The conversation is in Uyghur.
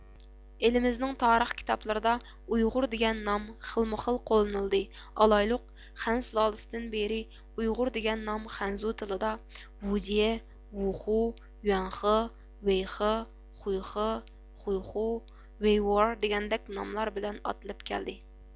ئېلىمىزنىڭ تارىخ كىتابلىرىدا ئۇيغۇر دېگەن نام خىلمۇ خىل قوللىنىلدى ئالايلۇق خەن سۇلالىسىدىن بېرى ئۇيغۇر دېگەن نام خەنزۇ تىلىدا ۋۇجيې ۋۇخۇ يۈەنخې ۋېيخې خۇيخې خۇيخۇ ۋېيۋۇئېر دېگەندەك ناملار بىلەن ئاتىلىپ كەلدى